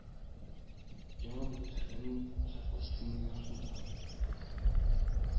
Яңа бәдрәфләрнең һәркайсы миллион сум тора